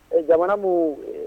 Ee jamanabo